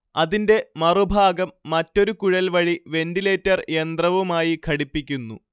അതിന്റെ മറുഭാഗം മറ്റൊരു കുഴൽ വഴി വെന്റിലേറ്റർ യന്ത്രവുമായി ഘടിപ്പിക്കുന്നു